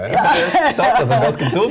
ja ja.